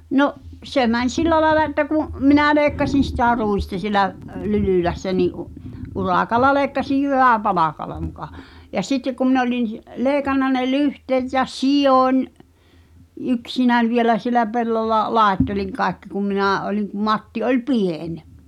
no se meni sillä lailla että kun minä leikkasin sitä ruista siellä Lylylässä niin - urakalla leikkasin jyväpalkalla muka ja sitten kun minä olin leikannut ne lyhteet ja sidoin yksinäni vielä siellä pellolla laittelin kaikki kun minä olin kun Matti oli pieni